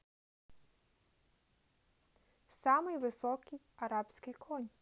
самый высокий арабский конь